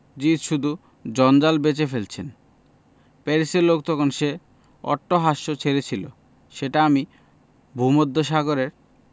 জিদ শুধু জঞ্জাল বেচে ফেলছেন প্যারিসের লোক তখন সে অট্টহাস্য ছেড়েছিল সেটা আমি ভূমধ্যসাগরের